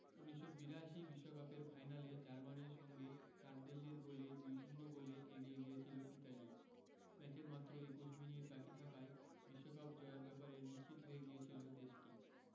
১৯৮২ বিশ্বকাপের ফাইনালে জার্মানির সঙ্গে তারদেল্লির গোলেই ২ ০ গোলে এগিয়ে গিয়েছিল ইতালি ম্যাচের মাত্র ২১ মিনিট বাকি থাকায় বিশ্বকাপ জয়ের ব্যাপারে নিশ্চিত হয়ে গিয়েছিল দেশটি